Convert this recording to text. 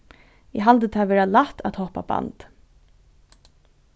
eg haldi tað vera lætt at hoppa band